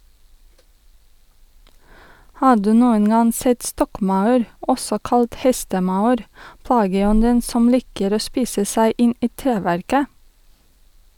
Har du noen gang sett stokkmaur , også kalt hestemaur, plageånden som liker å spise seg inn i treverket?